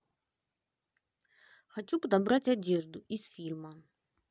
хочу подобрать одежду из фильма